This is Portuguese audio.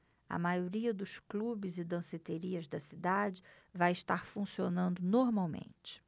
a maioria dos clubes e danceterias da cidade vai estar funcionando normalmente